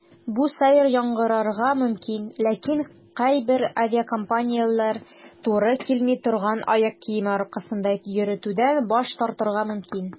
Бу сәер яңгырарга мөмкин, ләкин кайбер авиакомпанияләр туры килми торган аяк киеме аркасында йөртүдән баш тартырга мөмкин.